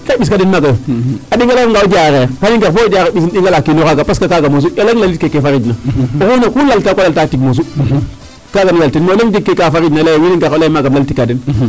Kaa i ɓiskaa den maaga yo a ɗinga ale refanga o Diarekh xa'i ngar bo o Diarekh ɓisin ɗing ala kiino xaaga parce que kaaga mosu o leŋ lalit kee kaa fariƴna ,oxu naa laltaa o laltaa tig mosu kaaga na laltel mais :gfra o leŋ jegkee kaa fariƴna wiin we ngar o lay ee maaga um laltika den.